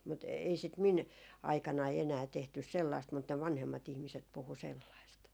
mutta ei sitä minun aikanani enää tehty sellaista mutta ne vanhemmat ihmiset puhui sellaista